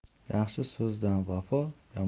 yaxshi so'zdan vafo